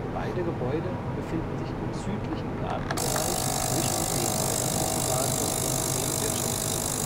Beide Gebäude befinden sich im südlichen Gartenbereich zwischen dem öffentlichen Garten und dem Wirtschaftshof